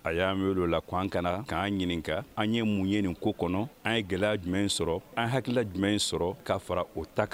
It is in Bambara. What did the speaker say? A y'an weele la k'an kana ka ɲininka, an ye mun ye nin ko kɔnɔ, an ye gɛlɛya jumɛn sɔrɔ, an hakilila jumɛn sɔrɔ k'a fara o ta kan.